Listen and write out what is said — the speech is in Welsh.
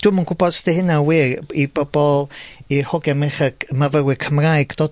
Dwi'm yn gwbo os 'di hynna'n wir i bobol i'r hogia merched g- myfyrwyr Cymraeg dod draw